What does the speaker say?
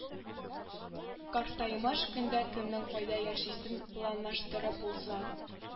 Картаймыш көндә кемнең кайда яшисен планлаштырып булса